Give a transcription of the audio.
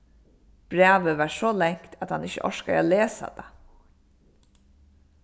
brævið var so langt at hann ikki orkaði at lesa tað